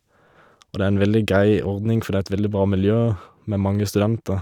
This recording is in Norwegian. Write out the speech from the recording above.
Og det er en veldig grei ordning, for det er et veldig bra miljø, med mange studenter.